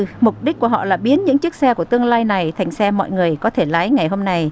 mục đích của họ là biến những chiếc xe của tương lai này thành xe mọi người có thể lái ngày hôm này